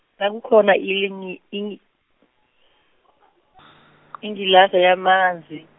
-wakukhona ilingi- ing- ingilazi yamanzi.